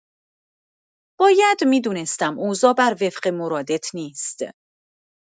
باید می‌دونستم اوضاع بر وفق مرادت نیست.